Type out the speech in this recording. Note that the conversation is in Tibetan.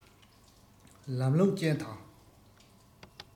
ལམ ལུགས ཅན དང